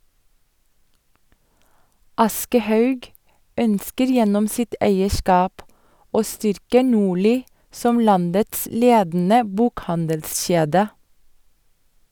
- Aschehoug ønsker gjennom sitt eierskap å styrke Norli som landets ledende bokhandelskjede.